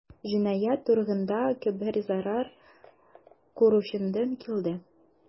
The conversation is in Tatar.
Җинаять турындагы хәбәр зарар күрүчедән килде.